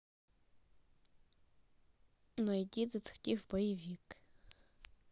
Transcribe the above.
найди детектив боевик